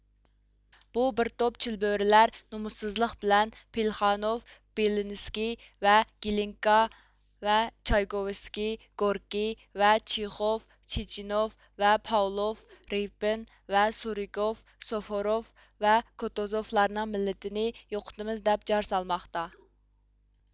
بۇ بىر توپ چىلبۆرىلەر نومۇسسىزلىق بىلەن پلېخانوف بېلىنىسكىي ۋە گلىنكا ۋە چايكوۋىسكىي گوركىي ۋە چىخوف چېچىنوف ۋە پاۋلوف رېپىن ۋە سۇرىكوف سوۋۇرۇف ۋە كوتۇزوفلارنىڭ مىللىتىنى يوقىتىمىز دەپ جار سالماقتا